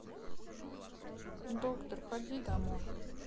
doctor ходи домой